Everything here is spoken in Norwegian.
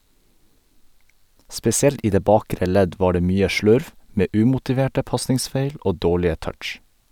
Spesielt i det bakre ledd var det mye slurv, med umotiverte pasningsfeil og dårlige touch.